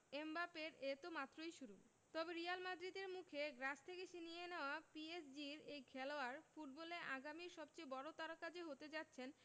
এমবাপ্পের এ তো মাত্রই শুরু তবে রিয়াল মাদ্রিদের মুখে গ্রাস থেকে ছিনিয়ে নেওয়া পিএসজির এই খেলোয়াড় ফুটবলে আগামীর সবচেয়ে বড় তারকা যে হতে যাচ্ছেন